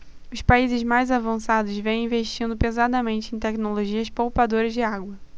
os países mais avançados vêm investindo pesadamente em tecnologias poupadoras de água